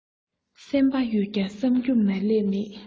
སེམས པ ཡོད ཀྱང བསམ རྒྱུ མ ལས མེད